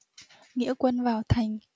nghĩa quân vào thành